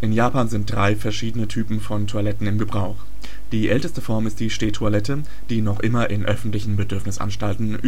Japan sind drei verschiedene Typen von Toiletten im Gebrauch. Die älteste Form ist die Stehtoilette, die noch immer in öffentlichen Bedürfnisanstalten